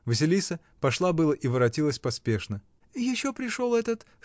Василиса пошла было и воротилась поспешно. — Еще пришел этот.